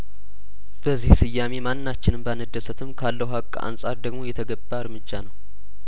በዚህ ስያሜ ማናችንም ባንደሰትም ካለው ሀቅ አንጻር ደግሞ የተገባ እርምጃ ነው